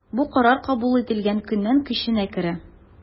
Бу карар кабул ителгән көннән көченә керә.